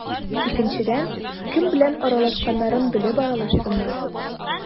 Икенчедән, кем белән аралашканнарын белеп аралашсыннар.